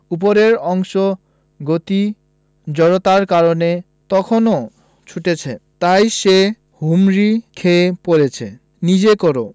ওপরের অংশ গতি জড়তার কারণে তখনো ছুটছে তাই সে হুমড়ি খেয়ে পড়ছে নিজে কর